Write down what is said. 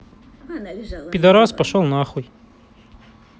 пидарас пошел на хуй